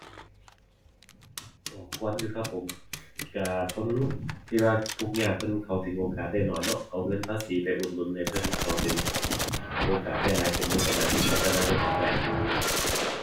ก็ควรอยู่ครับผม ก็คนที่ว่าทุกข์ยากเพิ่นเข้าถึงโอกาสได้น้อยเนาะ เอาเงินภาษีไปอุดหนุนให้เพิ่นเข้าถึงโอกาสได้หลายขึ้น เพิ่นก็น่าสิพัฒนาเจ้าของได้